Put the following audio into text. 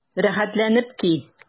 Рәхәтләнеп ки!